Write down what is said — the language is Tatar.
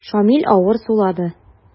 Шамил авыр сулады.